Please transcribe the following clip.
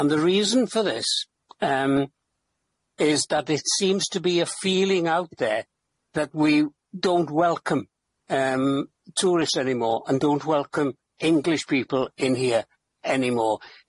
and the reason for this um is that it seems to be a feeling out there that we don't welcome um tourists anymore and don't welcome English people in here anymore.